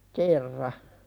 kerran